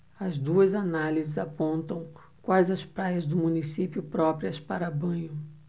as duas análises apontam quais as praias do município próprias para banho